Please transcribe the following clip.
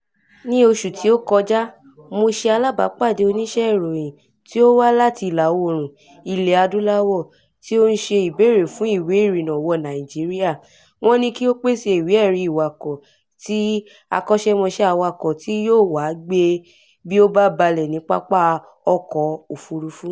Ní oṣù ti ó kojá, mo ṣe alábàápàdé oníṣẹ́-ìròyìn tí ó wá láti Ìlà-oòrùn Ilẹ̀-adúláwọ̀ tí ó ń ṣe ìbéèrè fún ìwé ìrìnnà wọ Nàìjíríà. Wọ́n ní kí ó pèsèe ìwé-ẹ̀rí ìwákọ̀ọ ti akọ́ṣẹ́mọṣẹ́ awakọ̀ tí yóò wá gbé e bí ó bá balẹ̀ ní pápá-ọkọ̀-òfuurufú!